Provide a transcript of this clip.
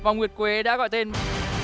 vòng nguyệt quế đã gọi tên